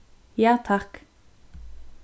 ja takk